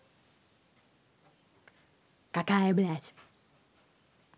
какая блядь